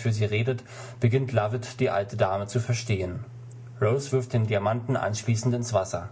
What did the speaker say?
für sie redet, beginnt Lovett die alte Dame zu verstehen. Rose wirft den Diamanten anschließend ins Wasser.